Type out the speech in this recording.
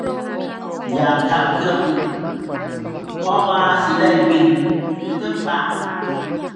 อยากขับเครื่องบิน เพราะว่าสิได้บินอยู่เทิงฟ้า